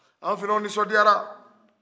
anw funɛw ninsɔndiyara